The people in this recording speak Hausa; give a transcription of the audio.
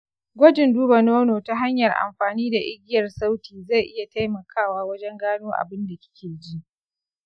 gwajin duba nono ta hanyar amfani da igiyar sauti zai iya taimakawa wajen gano abunda kikeji.